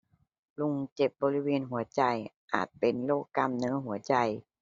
ลุงเจ็บบริเวณหัวใจอาจเป็นโรคกล้ามเนื้อหัวใจ